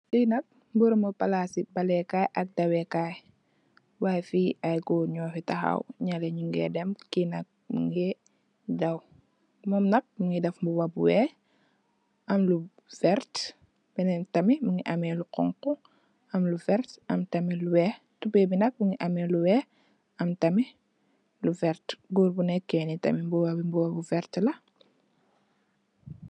Lee nak meremu plase balekaye ak dawekaye way fee aye goor nufe tahaw nyele nuge dem ke nak muge daw mum nak muge def muba bu weex amlu verte kenenke tamin muge am lu xonxo am lu verte am tamin lu weex tubaye be nak muge ameh lu weex am tamin lu verte goor bu neke nee tamin muba be muba bu verte la.